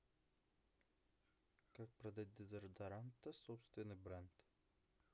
как продать дезодоранта собственный бренд